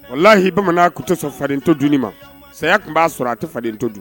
O lahi bamanan ku tɛsɔ farinden to dunni ma saya tun b'a sɔrɔ a tɛ faden to dun